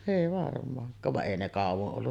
ei varmaankaan vaan ei ne kauan ollut